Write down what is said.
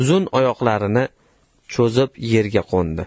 uzun oyoqlarini cho'zib yerga qo'ndi